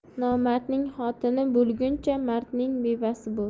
nomardning xotini bo'lguncha mardning bevasi bo'l